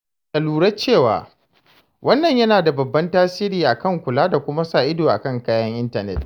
Ta lura cewa, ''Wannan yana da babban tasiri a kan kula da kuma sa-ido a kan kayan intanet.